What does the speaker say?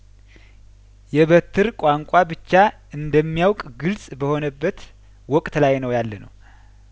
የበትር ቋንቋ ብቻ እንደሚያውቅ ግልጽ በሆነበት ወቅት ላይ ነው ያለነው